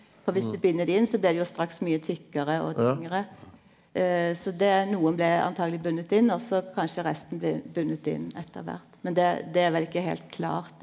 og viss du bind dei inn så blir det jo straks mykje tjukkare og tyngre så det nokon blei antakeleg bunde inn og så kanskje resten blir bunde inn etter kvart, men det det er vel ikkje heilt klart.